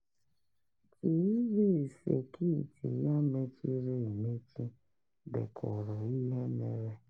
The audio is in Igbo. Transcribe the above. TiiVii sekiiti ya mechiri emechi dekọrọ ihe merenụ.